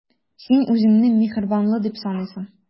Син үзеңне миһербанлы дип саныйсың.